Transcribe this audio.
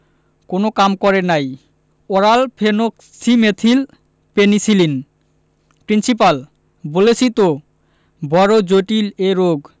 কোন কাম করে নাই ওরাল ফেনোক্সিমেথিল পেনিসিলিন প্রিন্সিপাল বলেছি তো বড় জটিল এ রোগ